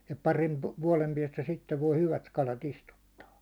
ja parin vuoden päästä sitten voi hyvät kalat istuttaa